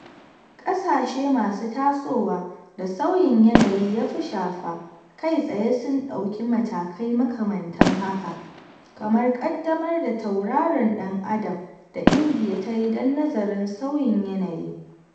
Ƙasashe masu tasowa da sauyin yanayi ya fi shafa kai-tsaye sun ɗauki matakai makamantan haka, kamar ƙaddamar da tauraron ɗan adam da Indiya ta yi don nazarin sauyin yanayi.